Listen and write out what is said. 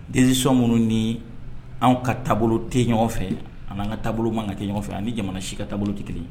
Desɔn minnu ni an ka taabolo tɛ ɲɔgɔn fɛ ani'an ka taabolo man kɛ ɲɔgɔnfɛ ani jamana si ka taabolo tɛ kelen